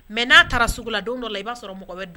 Mɛ n'a taara sugu la don dɔ i b'a sɔrɔ